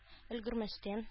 Өлгермәстән